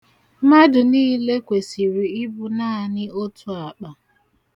Mmadụ niile kwesiri ibu naani otu akpa.